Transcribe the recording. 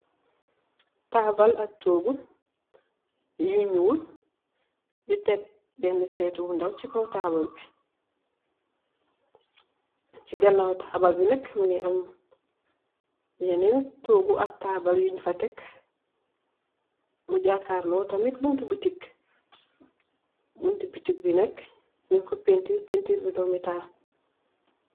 Tabal ak togu yu nuul nyu teck bena seetu bo ndaw si kaw tabul bi si ganaw tabul bi nak mogi am yenen togu ak tabal nyun fa teck mu jakarlo ak bonti boutique bonti boutique bi nak nyun ko painturr painturr bu domital.